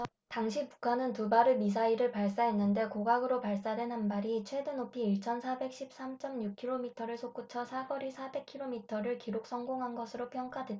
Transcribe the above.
당시 북한은 두 발의 미사일을 발사했는데 고각으로 발사된 한 발이 최대 높이 일 천 사백 십 삼 쩜 육 키로미터를 솟구쳐 사거리 사백 키로미터를 기록 성공한 것으로 평가됐다